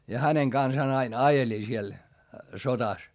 ja hänen kanssaan aina ajelin siellä sodassa